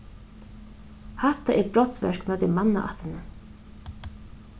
hatta er brotsverk móti mannaættini